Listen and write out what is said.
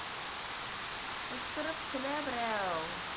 Кычкырып көлә берәү.